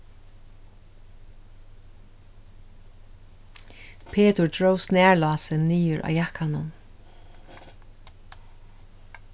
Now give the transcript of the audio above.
petur dró snarlásið niður á jakkanum